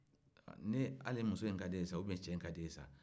ni hali muso in kadi e ye sa ou bien cɛ nin ka di e ye sa